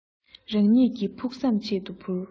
རང ཉིད ཀྱི ཕུགས བསམ ཆེད དུ འཕུར